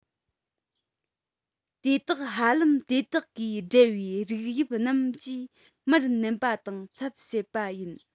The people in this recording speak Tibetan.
དེ དག ཧ ལམ དེ དག གིས སྦྲེལ པའི རིགས དབྱིབས རྣམས ཀྱིས མར གནོན པ དང ཚབ བྱེད པ ཡིན